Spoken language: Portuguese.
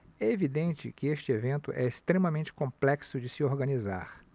é evidente que este evento é extremamente complexo de se organizar